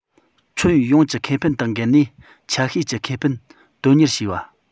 ཁྱོན ཡོངས ཀྱི ཁེ ཕན དང འགལ ནས ཆ ཤས ཀྱི ཁེ ཕན དོན གཉེར བྱས པ